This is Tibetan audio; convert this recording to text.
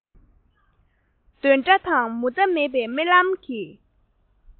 འདོན སྒྲ དང མུ མཐའ མེད པའི རྨི ལམ གྱི